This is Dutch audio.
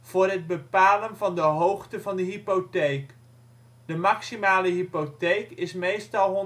voor het bepalen van de hoogte van de hypotheek. De maximale hypotheek is meestal